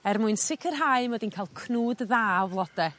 er mwyn sicirhau mod i'n ca'l cnwd dda o flode.